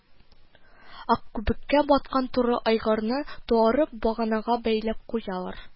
Ак күбеккә баткан туры айгырны, туарып, баганага бәйләп куялар